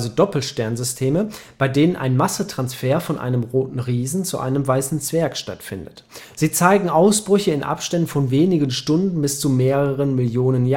Doppelsternsysteme, bei denen ein Massetransfer von einem Roten Riesen zu einem Weißen Zwerg stattfindet. Sie zeigen Ausbrüche in Abständen von wenigen Stunden bis zu mehreren Millionen